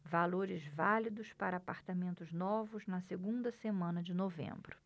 valores válidos para apartamentos novos na segunda semana de novembro